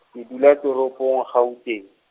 ke dula toropong Gauteng.